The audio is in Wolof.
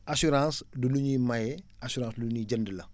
assurance du lu ñuy maye assurance lu ñuy jënd la